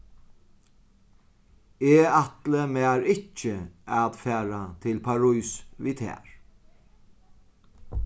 eg ætli mær ikki at fara til parís við tær